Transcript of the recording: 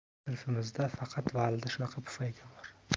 sinfimizda faqat valida shunaqa pufayka bor